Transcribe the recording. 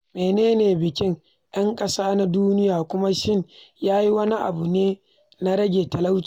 Mene ne Bikin 'Yan Ƙasa na Duniya kuma Shin Ya Yi Wani Abu na Rage Talauci?